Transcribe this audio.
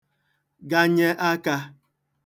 ganye akā